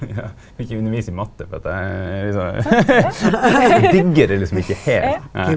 ja vil ikkje undervisa i matte for at eg liksom diggar det liksom ikkje heilt ja.